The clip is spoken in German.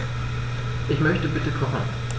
Ich möchte bitte kochen.